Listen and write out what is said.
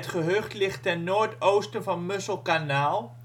gehucht ligt ten noord-oosten van Musselkanaal